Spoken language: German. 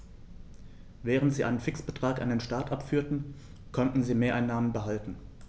Während sie einen Fixbetrag an den Staat abführten, konnten sie Mehreinnahmen behalten.